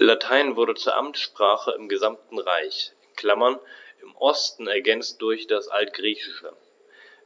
Latein wurde zur Amtssprache im gesamten Reich (im Osten ergänzt durch das Altgriechische),